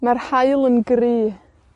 ma'r haul yn gry.